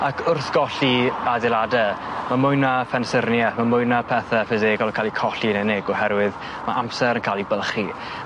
Ac wrth golli adeilade ma' mwy na phensyrnie ma' mwy na pethe physegol yn ca'l eu colli yn unig oherwydd ma' amser yn ca'l 'i bylchu.